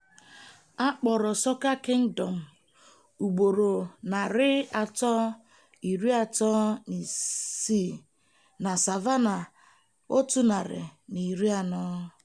A kpọrọ "Soca Kingdom" ugboro 336, na "Savannah" 140.